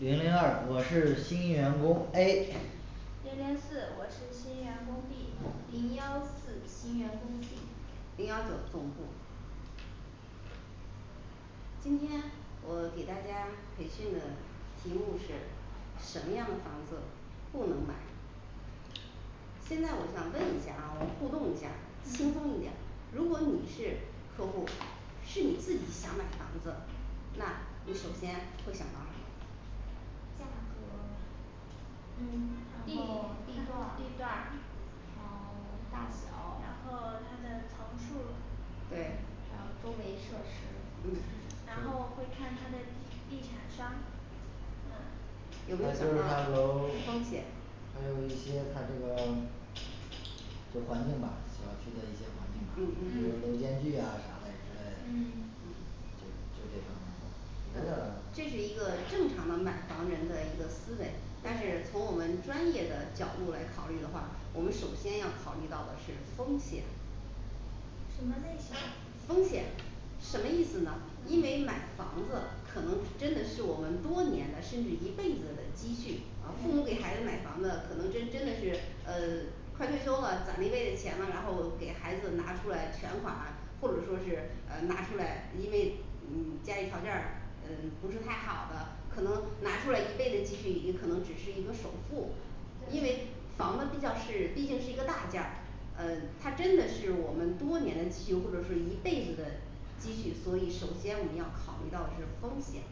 零零二我是新员工A 零零四我是新员工B 零幺四新员工C 零幺九总部今天我给大家培训的题目是什么样的房子不能买现在我想问一下啊，我互动一下，轻嗯松一点儿，如果你是客户儿，是你自己想买房子，那你首先会想到什么价格嗯地然后地地段儿段儿然后大然后小它的层数儿对还有周围设施嗯嗯然后会看它的地地产商嗯有那没有想就是他到楼风险还有一些他这个对环境吧小区的一些嗯环境嗯吧，嗯嗯比如说楼间距啊啥嗯嘞之类嗯嘞，就就这方面这是一个正常的买房人的一个思维但是从我们专业的角度来考虑的话我们首先要考虑到的是风险什么类型风险什么意思呢因为嗯买房子可能真的是我们多年的甚至一辈子的积蓄啊父母给对孩子买房子可能真真的是呃快退休了攒了一辈的钱了，然后给孩子拿出来全款或者说是呃拿出来因为嗯家里条件儿嗯不是太好的可能拿出来一辈的积蓄，也可能只是一个首付因对为房子比较是毕竟是一个大件儿呃它真的是我们多年的积蓄或者是一辈子的积蓄，所以首先我们要考虑到是风险。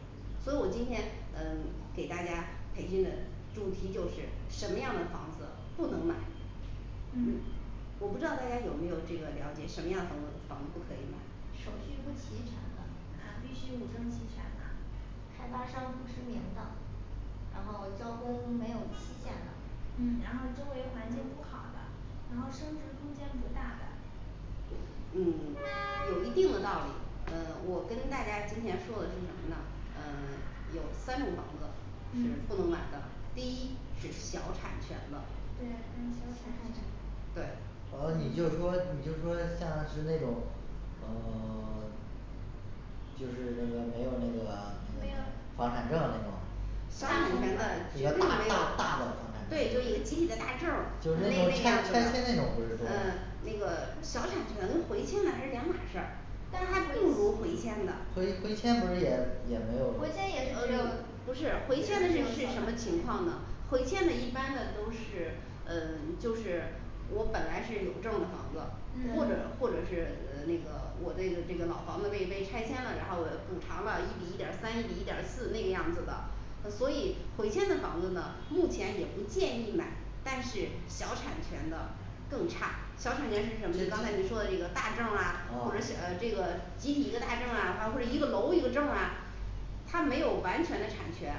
所以我今天嗯给大家培训的主题就是什么样的房子不能买嗯嗯我不知道大家有没有这个了解什么样房子 房子不可以买手续不齐全的啊必须五证齐全嘛开发商不知名的然后交工没有期限的嗯然后周围环境不好的然后升值空间不大的嗯有一定的道理呃我跟大家今天说的是什么呢？嗯有三种房子是嗯不能买的第一是小产权的对嗯小小产产权权对哦你就说你就说像是那种呃 就是那个没有那个没没有有房产证那种小产权的这绝个对大没有大大的房对产证就有一个集体的大证儿就那那那个种样拆子的拆迁那种不是多嗯吗那个小产权回迁的还是两码事儿但但是是还不如回回迁迁的回回迁不是也也回没有迁也是只有不是回也迁的是是只是有小什么产权情呀况呢回迁的一般的都是嗯就是我本来是有证儿的房子或嗯者或者是呃那个我这个这个老房子被被拆迁了然后呃补偿了一比一点儿三一比一点儿四那个样子的呃所以回迁的房子呢目前也不建议买但是小产权的更差小产权是什么？就刚才你说的这个大证儿或者啊小呃这个集体一个大证儿啊还有或者一个楼一个证儿啊它没有完全的产权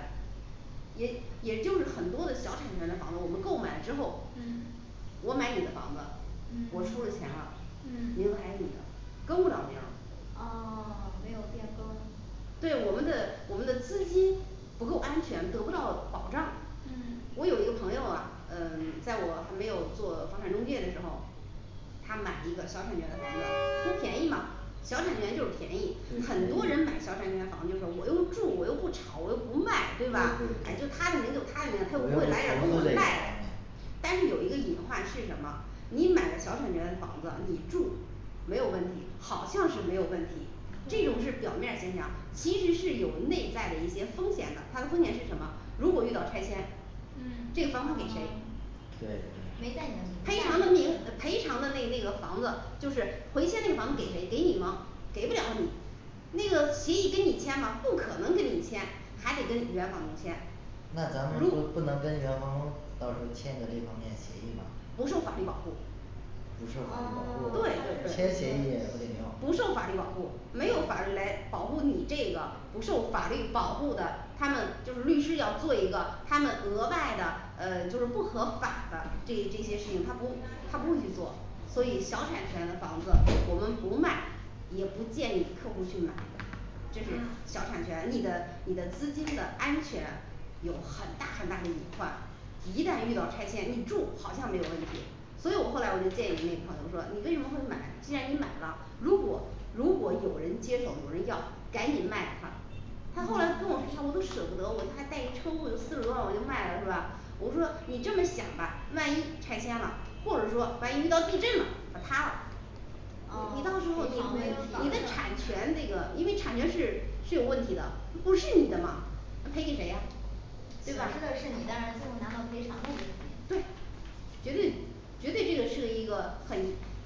也也就是很多的小产权的房子，我们购买了之后嗯我买你的房子我嗯出了钱了名嗯字还是你的更不了名儿啊 没有变更对我们的我们的资金不够安全，得不到保障。嗯我有一个朋友啊嗯 在我还没有做房产中介的时候他买了一个小产权的房子，图便宜嘛小产权就是便宜对很多人买小产权房就说我又住我又不炒，我又不对对对对卖对吧啊就他名儿就他名儿他又不会来这跟我赖。嗯但是有一个隐患是什么你买了小产权的房子你住没有问题好像是没有问题这种是表面儿现象其实是有内在的一些风险的它的风险是什么如果遇到拆迁这个嗯房租啊给谁对没在你的赔名偿下的明赔偿的那那个房子就是回迁的房给谁给你吗给不了你那个协议跟你签吗？不可能跟你签还得跟原房东签那咱们就不如能跟原房东到时候签一个这方面协议吗不受法律保护啊 它只是属于不受法律保对护个对签对协议也不顶用。不受协议法律保护没有法律来保护你这个不受法律保护的他们就是律师要做一个他们额外的呃就是不合法的这这些事情他不他不会去做所以小产权的房子我们不卖也不建议客户去买这是啊小产权，你的你的资金的安全有很大很大的隐患一旦遇到拆迁你住好像没有问题所以我后来我就建议那个朋友说你为什么会买？既然你买了如果如果有人接手，有人要赶紧卖给他他后来嗯跟我说，哎呀我都舍不得，我这还带一车库就四十多万我就卖了是吧？我说你这么想吧万一拆迁了，或者说万一遇到地震了它塌了啊你你到时 候你你你的产权这个，因为产权是是有问题的，不是你的嘛那赔给谁啊有对事吧儿？的是你但是最后拿到赔偿的不是你对绝对绝对这个是一个很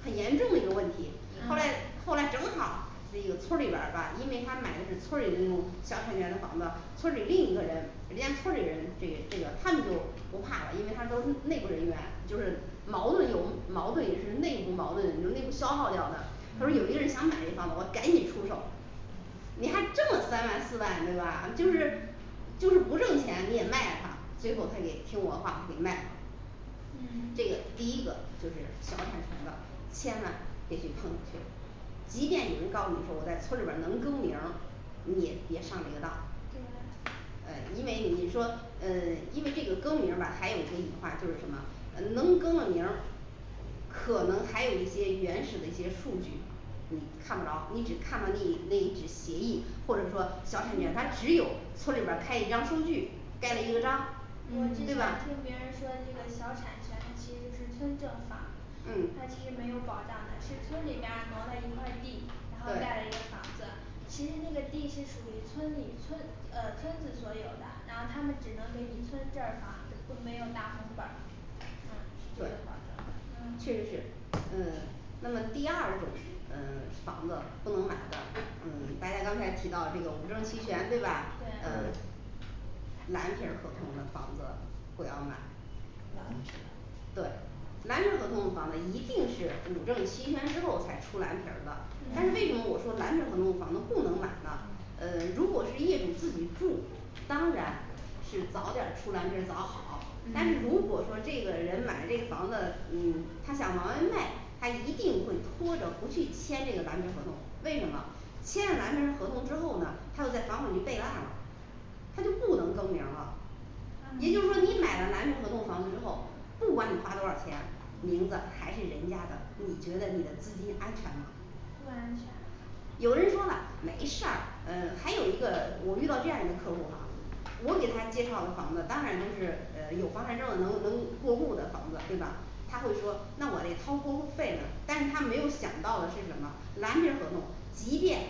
很严重的一个问题后来嗯后来正好儿那个村儿里边吧因为他买的是村儿里的那种小产权的房子村里儿另一个人人家村里儿人这个这个他们就不怕了，因为他都是内部人员就是矛盾有矛盾也是内部矛盾能内部消耗掉的他说有一个嗯人想买这房子，我说赶紧出手你还挣了三万四万对吧？就是就是不挣钱你也卖了它，最后他也听我话他给卖了。这嗯个第一个就是小产权的千万别去碰它去了即便有人告诉你说我在村儿里边儿能更名儿你也别上这个当对呃因为你说嗯因为这个更名儿吧还有一个隐患就是什么能更了名儿可能还有一些原始的一些数据你看不着，你只看到那一那一纸协议或者说小产权他只有村儿里边儿开一张收据盖了一个章我之嗯前对吧听别人说这个小产权它其实就是村政房他其嗯实没有保障的是村儿里面儿挪了一块儿地然后盖了一对个房子，其实那个地是属于村里村呃村子所有的然后他们只能给你村证儿房只呼没有大红本儿嗯是这个对确嗯实是，嗯那么第二种嗯房子不能买的嗯大家刚才提到这个五证齐全对吧对嗯对蓝皮儿合同的房子不要买蓝皮儿对，蓝皮儿合同的房子一定是五证齐全之后才出蓝皮儿的但是嗯为什么我说蓝皮儿合同的房子不能买呢？呃如果是业主自己住当然是早点儿出蓝皮儿早好但是嗯如果说这个人买这个房子嗯他想往外卖他一定会拖着不去签这个蓝皮儿合同，为什么签完他的合同之后呢他就在房管局备了案了他就不能更名儿了也就是说你买了蓝皮儿合同房子之后不管你花多少钱名字还是人家的你觉得你的资金安全吗不安全有的人说了没事儿嗯还有一个我遇到这样儿一个客户儿哈我给他介绍的房子当然都是嗯有房产证儿能能过户儿的房子对吧他会说那我得掏过户儿费呢但是他没有想到的是什么蓝皮儿合同即便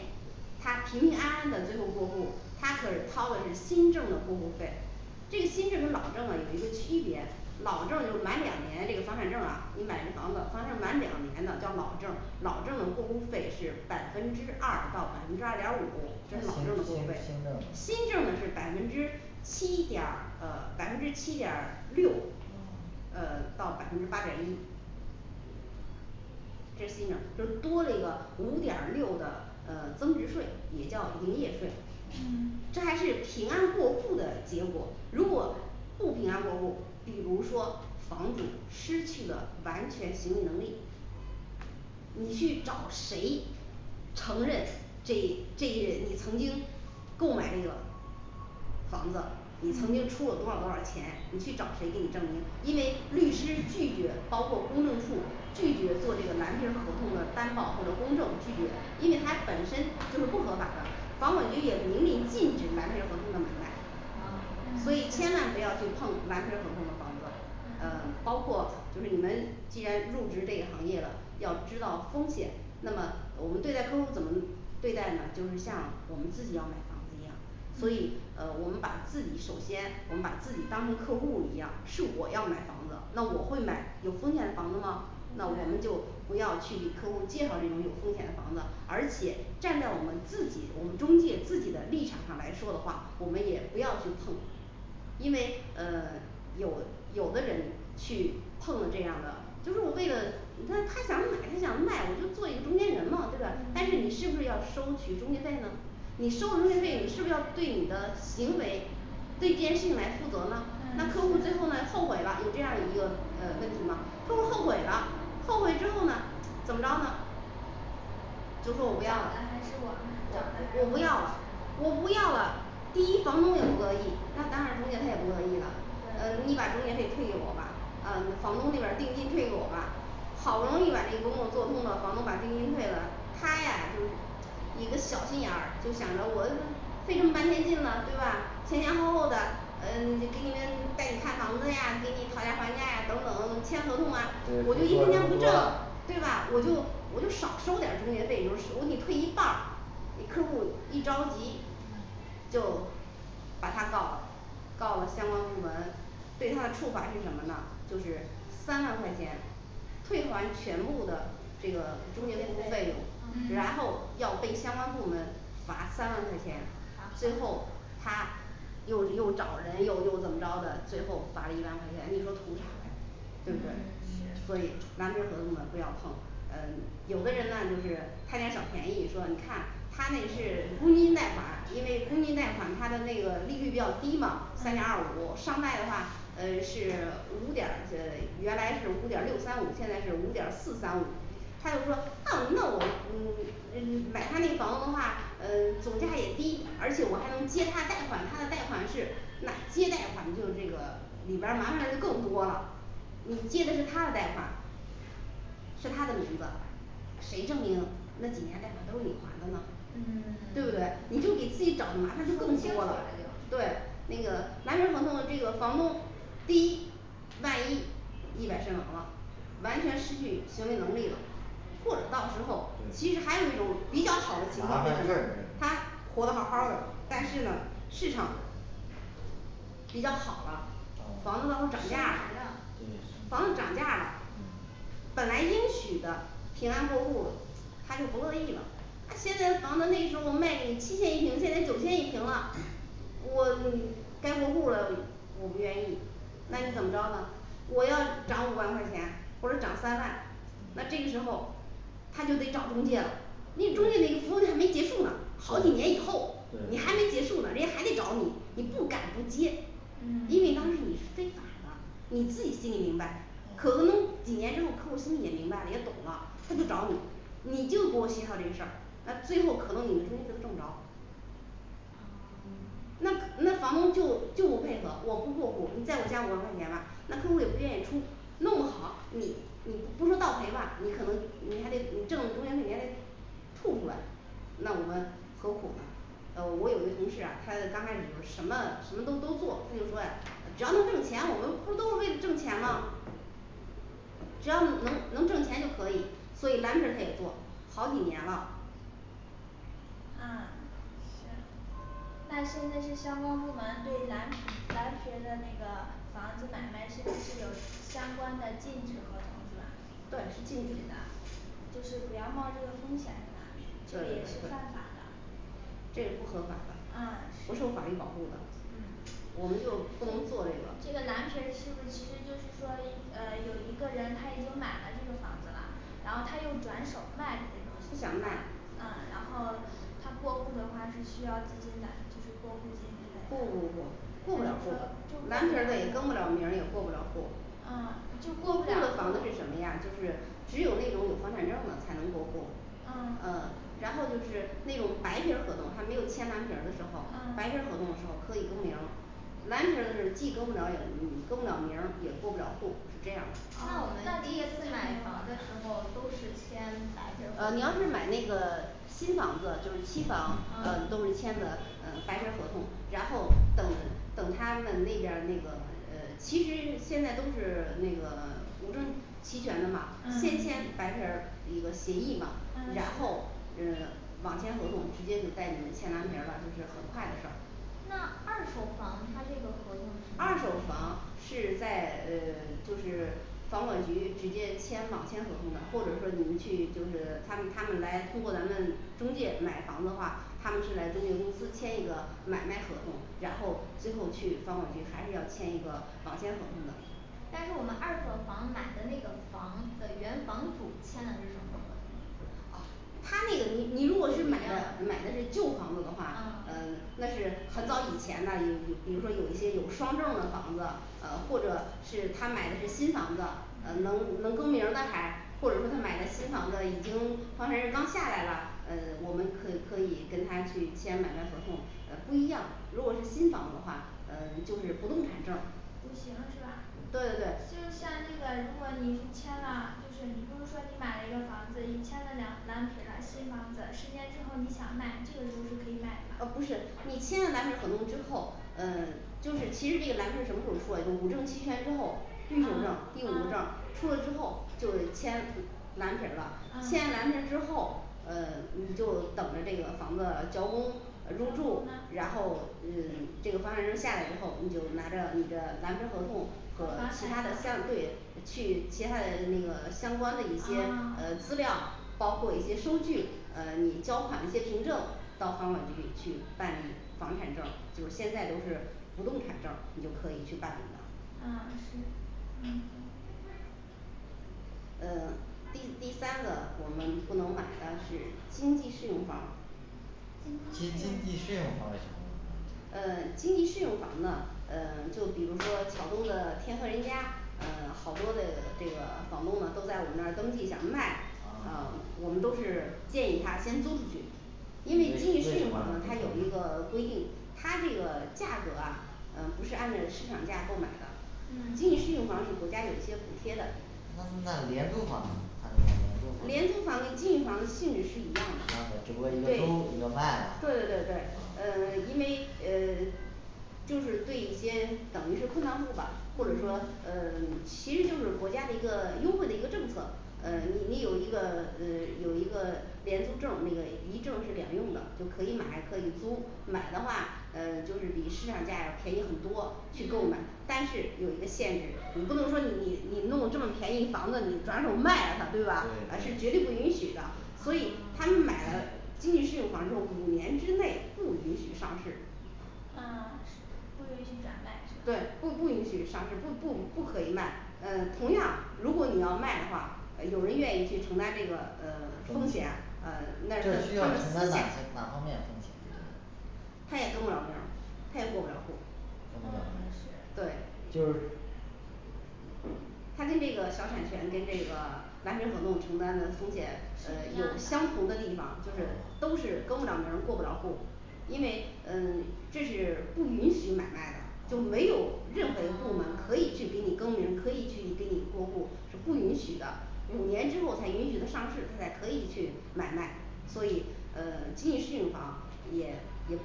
他平平安安的最后过户儿他可是掏的是新证儿的过户儿费这新证儿和老证呢有一个区别老证儿就是满两年这个房产证儿啊，你买这房子房证儿满两年的叫老证儿老证儿的过户费是百分之二到百分之二点儿五新新这是老证儿的过户儿新证儿费呢新证儿的是百分之七点儿呃百分之七点儿六啊呃到百分之八点儿一这次呢就是多了一个五点儿六的嗯增值税，也叫营业税嗯嗯这还是平安过户的结果如果不平安过户儿比如说房主失去了完全服务能力你去找谁承认这这一人你曾经购买这个房子你曾嗯经出了多少多少钱你去找谁给你证明因为律师拒绝包括公证处拒绝做这个蓝皮儿合同的担保或者公证拒绝因为他本身嗯就是不合法的房管局也明令禁止蓝皮儿合同的买卖嗯所嗯以啊千是万不要去碰蓝皮儿合同的房子嗯嗯包括就是你们既然入职这一行业了要知道风险那么我们对待客户儿怎么对待呢就是像我们自己要买房子一样所以呃我们把自己首先我们把自己当成客户儿一样是我要买房子那我会买有风险房子吗不那我们会就不要去给客户儿介绍这种有风险的房子而且站在我们自己我们中介自己的立场上来说的话我们也不要去碰因为嗯有有的人去碰了这样的就是我为了他他想买他想卖我就做一个中间人嘛对吧但是你是不嗯是要收取中介费呢你收中介费你是不是要对你的行为对这件事情来负责呢那客户最后呢后悔了，有这样一个呃问题吗客户儿后悔了，后悔之后呢怎么着呢就说我不要了我我不要了我不要了第一房东也不乐意，那当然中介他也不乐意了嗯嗯，对你把中介费退给我吧嗯你房东那边儿定金退给我吧好不容易把这工作做通了，房东把定金退了他呀就是一个小心眼儿，就想着我费这么半天劲了对吧前前后后的嗯给你带你看房子呀，给你讨价还价呀等等签合同啊我就一分钱不挣了对吧我就我就少收点儿中介费就是我给你退一半儿你客户一着急嗯就把他告了告了相关部门对他的处罚是什么呢就是三万块钱退还全部的这个中中介介服务费费用，然后要被相关部门罚三万块钱最啊后他又离又找人又又怎么着的最后罚了一万块钱你说图啥嘞对嗯不嗯对是所 以蓝皮儿合同呢不要碰嗯有的人呢就是贪点儿小便宜说你看他那是公积金贷款因为公积金贷款他的那个利率比较低嘛三点儿二五，商贷的话呃是五点儿呃，而且原来是五点儿六三五，现在是五点儿四三五他又说那我那我嗯买他那房子的话嗯总价也低而且我还能接他贷款他的贷款是那接贷款就这个里边儿麻烦事儿更多了。你接的是他的贷款是他的名字谁证明那几年贷款都是你还的呢嗯对不 对？你就给自己找的麻烦就说不更清楚多啦了就对那个蓝皮儿合同的这个房东第一万一意外身亡了完全失去行为能力了或者到时候儿其实对还有一种比较好的情况麻是烦什事么儿？这他活得好好儿的但是呢嗯市场比较好了嗯房子到时候升值涨了价了对，房升子值涨了价了嗯本来应许的平安过户儿他就不乐意了啊现在房子那时候卖给你七千一平，现在九千一平了我 该过户儿了我不愿意那你怎嗯么着呢我要涨五万块钱或者涨三万那这嗯个时候他就得找中介了，因为中介那个服务还没结束呢好几年以对后你还没对对结束呢，人家还得找你，你不敢不接嗯因为当时你是非法的你自己心里明白可嗯能几年之后客户儿心里也明白了也懂了他就嗯找你，你就给我协调这个事儿那最后可能你一分钱都挣不着嗯啊 那那房东就就不配合，我不过户儿，你再给我加五万块钱吧那客户也不愿意出，弄不好你你不说倒赔吧你可能你还得你挣中介费，你还得吐出来那我们何苦呢呃我有一个同事啊他刚开始有什么什么都都做，他就说呀呃只要能挣钱，我们不是都是为了挣钱吗？只要能能挣钱就可以，所以蓝皮儿他也做好几年了啊那现在是相关部门对蓝皮蓝皮儿的那个房子买卖现在是有相关的禁止合同是吧对是禁禁止止的的就是不要冒这个风险是吧这对个对对也是对犯法的这也不合法的啊是不受法律保护的嗯我们就这是不能做这这个个蓝皮儿是不是其实就是说呃有一个人他已经买了这个房子啦然后他又转手卖的这种他想情况卖嗯然后他过户儿的话是需要资金的就是过户儿金之类不不不的还是说就过不了户儿蓝皮儿的也过更不不了了户名儿也过不了户儿嗯嗯就就过过户不了儿户的房子是什么呀？就是只有那种有房产证儿的才能过户儿嗯嗯然后就是那种白皮儿合同他没有签蓝皮儿的时候白皮儿嗯合同的时候可以更名儿蓝皮儿的是既更不了也更不名儿也过不了户儿是这样的哦他第一次买房的时候都是签白皮儿呃合你要是同吗买那个新房子就是期啊房呃都是签的嗯白皮儿合同然后等等他们那边儿那个呃其实现在都是那个五证齐全了嘛嗯先签白皮儿一个协议嘛然嗯后呃网签合同直接就带你们签蓝皮儿了，就是很快的事儿那二手房他这个合同二是手什么房是在呃就是房管局直接签网签合同的或者说你们去就是他们他们来通过咱们中介买房的话他们是来中介公司签一个买卖合同然后最后去房管局还是要签一个网签合同的但是我们二手房买的房的原房主签的是什么合同啊他那个你你如果是买的买的是旧房子的话嗯嗯那是很早以前的，你你比如说有一些有双证儿的房子呃或者是他买的是新房子呃嗯能能更名儿的还或者说他买的新房子已经房产证儿刚下来了嗯我们可可以跟他去签买卖合同嗯不一样如果是新房子的话嗯就是不动产证儿图形是吧对对对就是像那个如果你要签了，就是你不能说你买了一个房子你签了两蓝皮儿了新房子，十年之后你想卖这个你说可以卖吗啊不是你签了蓝皮儿合同之后嗯就是其实这个蓝皮儿什么时候做，就五证齐全之后第五个证儿嗯第五证儿嗯出了之后就是签蓝皮儿了签完嗯蓝皮儿之后呃你就等着这个房子交工呃入住嗯然后嗯这个房产证下来之后，你就拿着你的蓝皮儿合同和其他的相对去其他那个相关的一些啊呃资料包括一些收据呃你交款这凭证到房管局去办理房产证就是现在都是不动产证儿你就可以去办理了嗯是嗯呃第第三个我们不能买的是经济适用房经经经济济适适用房用房为什么呃经济适用房呢呃就比如说桥东的天河人家呃好多的这个房东呢都在我们那儿登记想卖啊啊我们都是建议他先租出去为为什么呢这因为经济适用房呢它有方一面个规定它这个价格啊嗯不是按的市场价购买的经济嗯适用房是国家有些补贴的那那廉租房还有那廉廉租房租房跟经济房的性质是一样一的啊样的只对不过一个租一个卖对对啦对对啊呃因为呃就是对一些等于是困难户吧或者说嗯嗯其实就是国家的一个优惠的一个政策呃嗯你你有一个呃有一个廉租证儿，那个一证儿是两用的就可以买可以租买的话呃就是比市场价儿要便宜很多去购买嗯但是有一个限制你不能说你你你弄这么便宜的房子，你转手卖了它对吧啊是绝对对对不允许的所以啊他们买 了经济适用房儿之后，五年之内不允许上市啊不允许转卖是对吧，不不允许上市不不不可以卖嗯同样如果你要卖的话呃有人愿意去承担这个嗯风风险险呃那个这需要他们承担私哪下些哪方面风险呢这个他也更不了名儿，他也过不了户儿更不了哦名儿对就是它跟这个小产权跟这个蓝皮儿合同承担的风险呃有相同的地方就是都是更不了名儿过不了户儿因为嗯这是不允许买卖的就没有任何一个部门可以去给你更名儿，可以去给你过户儿是不允许的五年之后才允许他上市，他才可以去买卖所以呃经济适用房也也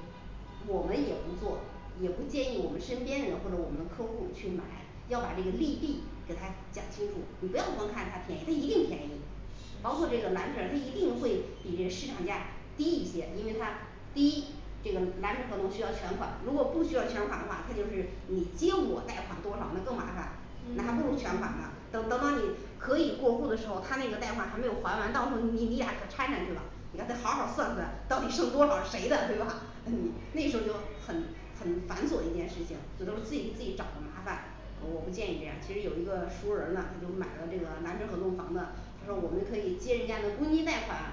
我们也不做也不建议我们身边的人或者我们的客户儿去买要把这个利弊给他讲清楚你不要光看它便宜它一定便宜包括这个啊蓝皮儿它一定会比这个市场价低一些因为它第一这个蓝皮儿合同需要全款如果不需要全款的话它就是你接我贷款多少那更麻烦那还嗯不如全款呢等等到你可以过户儿的时候儿，他那个贷款还没有还完，到时候你你俩可掺掺去吧你跟他好儿好儿算算到底剩多少谁的对吧 嗯那时候就很很繁琐一件事情只能自己给自己找个麻烦我不建议这样儿，其实有一个熟人儿呢他就买了这个蓝皮儿合同房呢他说我们可以借人家的公积金贷款